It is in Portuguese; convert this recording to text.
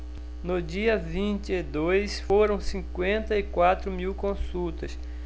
no dia vinte e dois foram cinquenta e quatro mil consultas